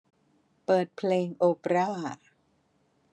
เปิดเพลงโอเปร่า